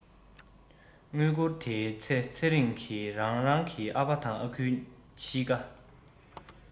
དངུལ བསྐུར དེའི ཚེ ཚེ རིང གི རང རང གི ཨ ཕ དང ཨ ཁུའི གཤིས ཀ